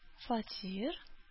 Фатир